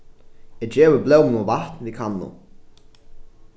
eg gevi blómunum vatn við kannu